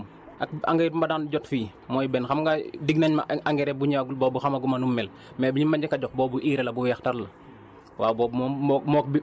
non man de engrais biñ ma joxagum ak engrais bi ma daan jot fii mooy benn xam nga dig nañ ma engrais bu ñëwagul boobu xamaguma nu mu mel mais biñ ma njëkk a jox boobu urée la bu weex tàll la